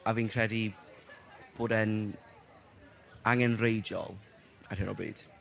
A fi'n credu, bod e'n angenrheidiol, ar hyn o bryd.